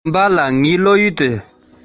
བློ བཟང གིས དུས སྐབས འདི དང